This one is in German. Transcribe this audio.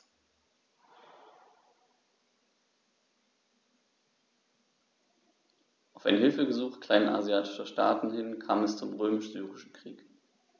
Auf ein Hilfegesuch kleinasiatischer Staaten hin kam es zum Römisch-Syrischen Krieg.